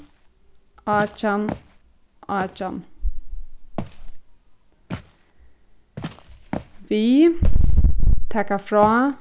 átjan átjan við taka frá